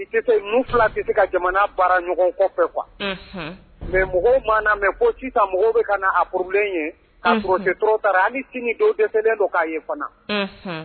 Fila tɛ se ka jamana bara ɲɔgɔn kɔfɛ kuwa mɛ mɔgɔw mɛ ciorolen do don k'a fana